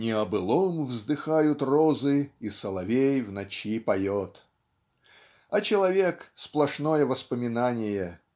" Не о былом вздыхают розы и соловей в ночи поет", а человек сплошное воспоминание